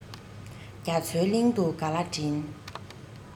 རྒྱ མཚོའི གླིང དུ ག ལ བྲིན